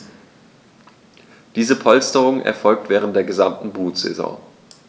Diese Polsterung erfolgt während der gesamten Brutsaison.